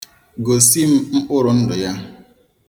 Gosi m mkpụrụndụ ya